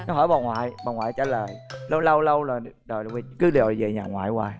nó hỏi bà ngoại bà ngoại trả lời lâu lâu lâu lâu là cứ đòi về nhà ngoại hoài